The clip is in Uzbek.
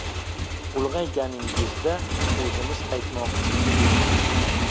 ulg'ayganingizda o'zimiz aytmoqchi edik